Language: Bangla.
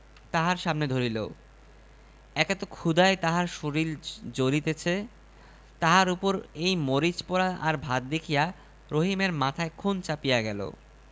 এমন বউ এর কি শাস্তি হইতে পারে বউ তখন হাত জোড় করিয়া বলিল দোহাই আপনাদের সকলের আপনারা ভালোমতো পরীক্ষা করিয়া দেখেন আমার সোয়ামীর মাথা খারাপ হইয়া সে যাতা' বলিতেছে কিনা